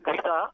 600